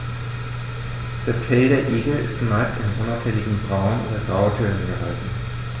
Das Fell der Igel ist meist in unauffälligen Braun- oder Grautönen gehalten.